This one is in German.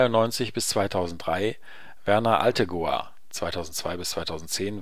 1993 – 2003 Werner Altegoer (2002-2010